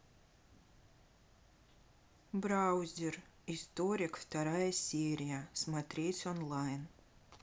браузер историк вторая серия смотреть онлайн